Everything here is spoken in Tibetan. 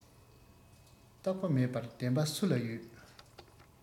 རྟག པ མེད པར བདེན པ སུ ལ ཡོད